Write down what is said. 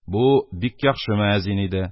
Бу бик яхшы мөәзин иде